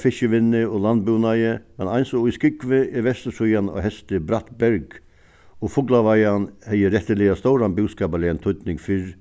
fiskivinnu og landbúnaði men eins og í skúgvoy er vestursíðan á hesti bratt berg og fuglaveiðan hevði rættiliga stóran búskaparligan týdning fyrr